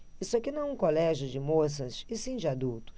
isto aqui não é um colégio de moças e sim de adultos